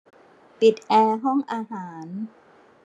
ปิดแอร์ห้องอาหาร